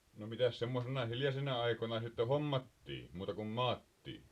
no mitäs semmoisina hiljaisina aikoina sitten hommattiin muuta kuin maattiin